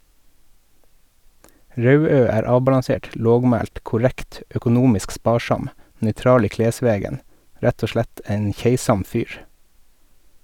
Rauø er avbalansert, lågmælt, korrekt, økonomisk sparsam , nøytral i klesvegen - rett og slett ein keisam fyr.